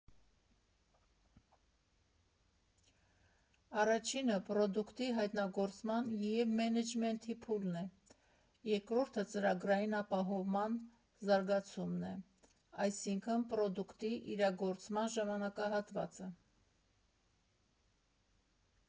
Առաջինը պրոդուկտի հայտնագործման և մենեջմենթի փուլն է, երկրորդը ծրագրային ապահովման զարգացումն է, այսինքն՝ պրոդուկտի իրագործման ժամանակահատվածը։